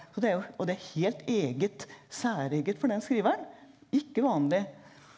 så det er jo og det er helt eget særegent for den skriveren, ikke vanlig.